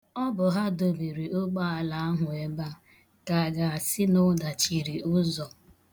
Ọ bụ ha dobere ụgbaala ahụ ebea ka a ga-asị na ọ dachiri ụzọ.